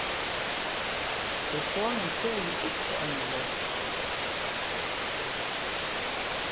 telefonin tegir ikki eina løtu